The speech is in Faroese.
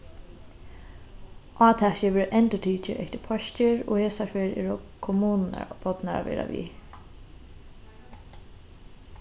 átakið verður endurtikið eftir páskir og hesa ferð eru kommunurnar bodnar at vera við